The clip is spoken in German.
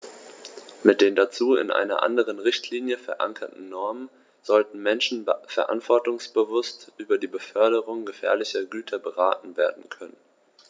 Mit den dazu in einer anderen Richtlinie, verankerten Normen sollten Menschen verantwortungsbewusst über die Beförderung gefährlicher Güter beraten werden können.